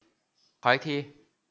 ขออีกที